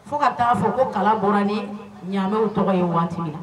Fo ka ta'a fɔ ko kala bɔra ni, ɲamɛw tɔgɔ ye waati min na.